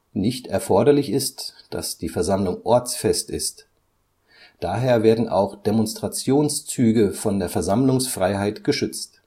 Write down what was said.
Nicht erforderlich ist, dass die Versammlung ortsfest ist. Daher werden auch Demonstrationszüge von der Versammlungsfreiheit geschützt